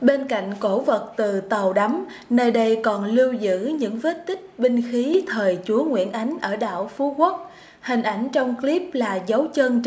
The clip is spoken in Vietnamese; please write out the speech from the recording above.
bên cạnh cổ vật từ tàu đắm nơi đây còn lưu giữ những vết tích binh khí thời chúa nguyễn ánh ở đảo phú quốc hình ảnh trong líp là dấu chân